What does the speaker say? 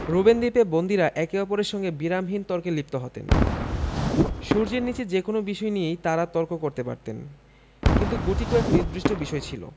Robben দ্বীপে বন্দীরা একে অপরের সঙ্গে বিরামহীন তর্কে লিপ্ত হতেন সূর্যের নিচে যেকোনো বিষয় নিয়েই তাঁরা তর্ক করতে পারতেন কিন্তু গুটিকয়েক নির্দিষ্ট বিষয় ছিল